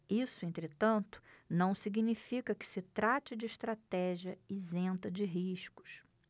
isso entretanto não significa que se trate de estratégia isenta de riscos